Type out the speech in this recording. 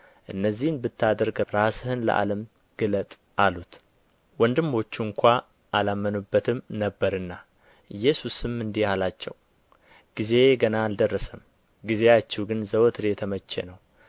እነዚህን ብታደርግ ራስህን ለዓለም ግለጥ አሉት ወንድሞቹ ስንኳ አላመኑበትም ነበርና ኢየሱስም እንዲህ አላቸው ጊዜዬ ገና አልደረሰም ጊዜያችሁ ግን ዘወትር የተመቸ ነው